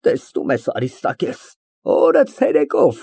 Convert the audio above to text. Տեսնո՞ւմ ես, Արիստակես, օրը ցերեկով։